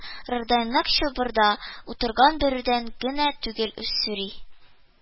Рырдай нык чылбырда утырган бүредән генә түгел, уссури